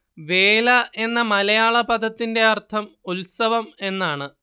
വേല എന്ന മലയാള പദത്തിന്റെ അര്‍ത്ഥം ഉത്സവം എന്നാണ്